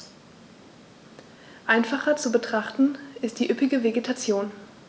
Einfacher zu betrachten ist die üppige Vegetation.